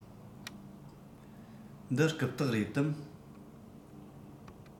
འདི རྐུབ སྟེགས རེད དམ